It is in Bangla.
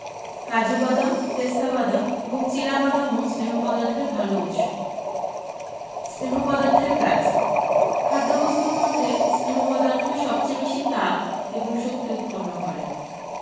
কাজু বাদাম পেস্তা বাদাম এবং চিনা বাদামও স্নেহ পদার্থের ভালো উৎস স্নেহ পদার্থের কাজ খাদ্যবস্তুর মধ্যে স্নেহ পদার্থ সবচেয়ে বেশী তাপ এবং শক্তি উৎপন্ন করে